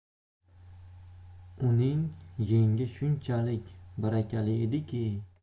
uning yengi shunchali barakali ediki